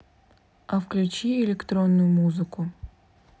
а включи электронную музыку